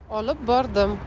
olib bordim